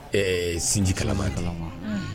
Ɛɛ sinji kalaba dala wa